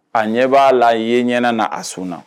A ɲɛ b'a la ye ɲɛna na a sunna